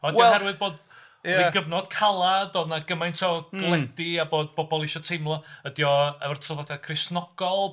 Ydi o oherwydd bod... oedd hi'n gyfnod calad, oedd 'na gymaint o galedi. A bod pobl eisiau teimlo... Ydy o efo'r traddodiad Cristnogol?